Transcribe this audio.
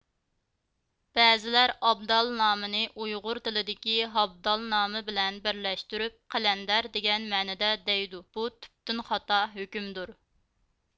بەزىلەر ئابدال نامىنى ئۇيغۇر تىلىدىكى ھابدال نامى بىلەن بىرلەشتۈرۈپ قەلەندەر دېگەن مەنىدە دەيدۇ بۇ تۈپتىن خاتا ھۆكۈمدۇر